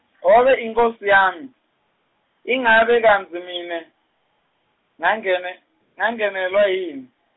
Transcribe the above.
hhohhe nkhosi yami, ingabe kantsi mine ngange- ngangenewa yini?